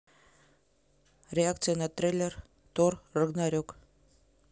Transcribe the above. реакция на трейлер тор рагнарек